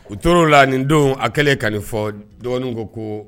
O tora la nin don a kɛlen ka nin fɔ dɔgɔnin ko ko